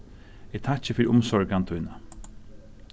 eg takki fyri umsorgan tína